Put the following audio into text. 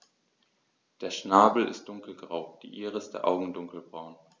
Der Schnabel ist dunkelgrau, die Iris der Augen dunkelbraun.